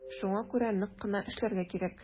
Шуңа күрә нык кына эшләргә кирәк.